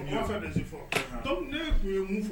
Fɔ ne tun ye mun fɔ